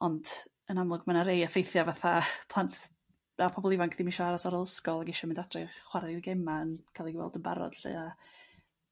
Ont yn amlwg ma' 'na rei effeithia' fath a plant a pobol ifanc dim isio aros ar ol ysgol ag isio mynd adre i chwara' i'w gema'n ca'l i'w weld yn barod 'lly a